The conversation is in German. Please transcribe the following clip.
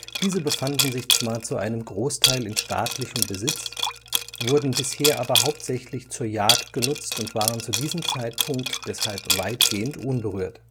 Diese befanden sich zwar zu einem Großteil in staatlichem Besitz, wurden bisher aber hauptsächlich zur Jagd genutzt und waren zu diesem Zeitpunkt deshalb weitgehend unberührt